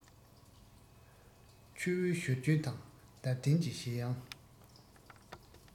ཆུ བོའི བཞུར རྒྱུན དང འདབ ལྡན གྱི བཞད དབྱངས